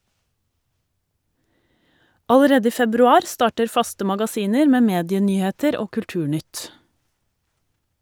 Allerede i februar starter faste magasiner med medienyheter og kulturnytt.